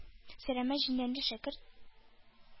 Сәләмә җиләнле шәкерт,